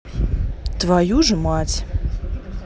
твою же мать